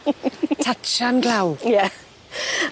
Tatsian glaw? Ie.